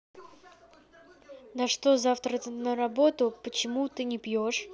да что завтра на работу почему ты не пьешь